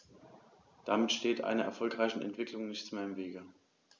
Damit steht einer erfolgreichen Entwicklung nichts mehr im Wege.